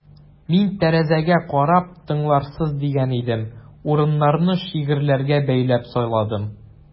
Мин тәрәзәгә карап тыңларсыз дигән идем: урыннарны шигырьләргә бәйләп сайладым.